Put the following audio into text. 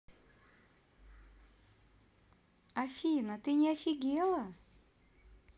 афина ты не офигела